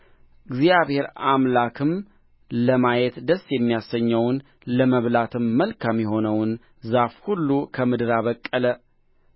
እግዚአብሔር አምላክም ለማየት ደስ የሚያሰኘውን ለመብላትም መልካም የሆነውን ዛፍ ሁሉ ከምድር አበቀለ